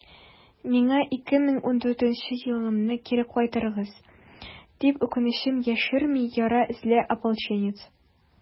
«миңа 2014 елымны кире кайтарыгыз!» - дип, үкенечен яшерми яра эзле ополченец.